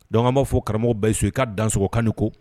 Donc an b'a fɔ karamɔgɔ Bayisu ye k'a dansogo k'a ni ko